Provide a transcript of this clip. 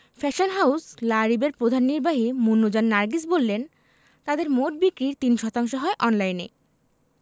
fashion house la রিবের প্রধান নির্বাহী মুন্নুজান নার্গিস বললেন তাঁদের মোট বিক্রির ৩ শতাংশ হয় অনলাইনে